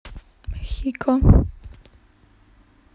хико